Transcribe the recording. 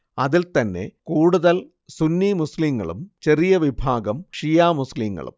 അതിൽ തന്നെ കൂടുതൽ സുന്നി മുസ്ലിങ്ങളും ചെറിയ വിഭാഗം ഷിയാ മുസ്ലിങ്ങളും